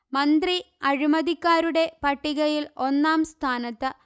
മന്ത്രി അഴിമതിക്കാരുടെ പട്ടികയിൽ ഒന്നാം സ്ഥാനത്ത്